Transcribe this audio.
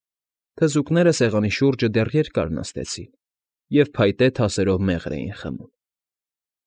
Թզուկները սեղանի շուրջը դեռ երկար նստեցին և փայտե թասերով մեղր էին խմում։